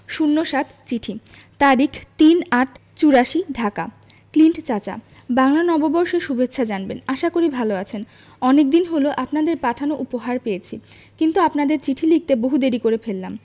০৭ চিঠি তারিখ ৩ ৮ ৮৪ ঢাকা ক্লিন্ট চাচা বাংলা নববর্ষ সুভেচ্ছা জানবেন আশা করি ভালো আছেন অনেকদিন হল আপনাদের পাঠানো উপহার পেয়েছি কিন্তু আপনাদের চিঠি লিখতে বহু দেরী করে ফেললাম